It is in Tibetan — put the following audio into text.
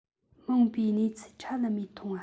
མ འོངས པའི གནས ཚུལ ཁྲ ལམ མེར མཐོང བ